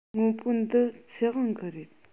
སྔོན པོ འདི ཚེ དབང གི རེད